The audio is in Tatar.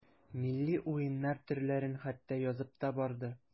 Милли уеннар төрләрен хәтта язып та барды.